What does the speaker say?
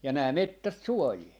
ja nämä metsät suojaa